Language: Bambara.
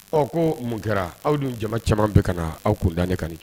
Ɔ ko mun kɛra aw ni jama caman bɛ ka aw kundɛ kɔni